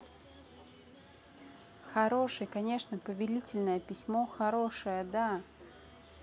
хороший конечно повелительное письмо хорошее да